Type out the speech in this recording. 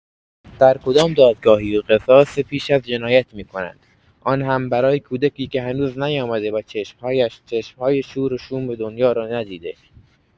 در کدام دادگاهی قصاص پیش از جنایت می‌کنند آن هم برای کودکی که هنوز نیامده و چشم‌هایش چشم‌های شور و شوم دنیا را ندیده؟